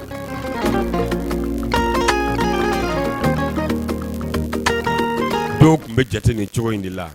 Dɔw tun bɛ jate ni cogo in de la